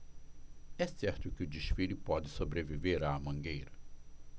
é certo que o desfile pode sobreviver à mangueira